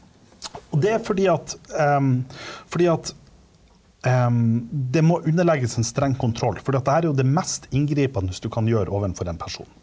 og det er fordi at fordi at det må underlegges en streng kontroll, fordi at det her er jo det mest inngripende du kan gjøre ovenfor en person.